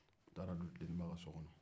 u taara don deniba ka so kɔnɔ